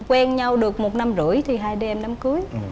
quen nhau được một năm rưỡi thì hai đứa em đám cưới